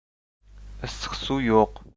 issiq suv yo'q